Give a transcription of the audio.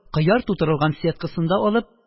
Кыяр тутырылган сеткасын да алып